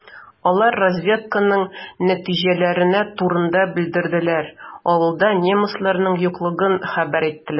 Алар разведканың нәтиҗәләре турында белдерделәр, авылда немецларның юклыгын хәбәр иттеләр.